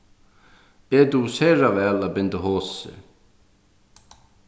eg dugi sera væl at binda hosur